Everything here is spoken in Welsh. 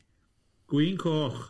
Gwin coch.